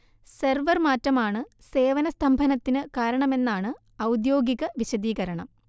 server മാറ്റമാണ് സേവന സ്തംഭനത്തിന് കാരണമെന്നാണ് ഔദ്യോഗിക വിശദീകരണം